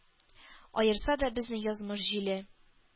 Аерса да безне язмыш җиле,